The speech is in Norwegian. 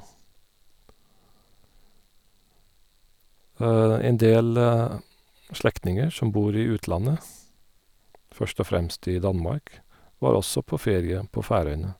En del slektninger som bor i utlandet, først og fremst i Danmark, var også på ferie på Færøyene.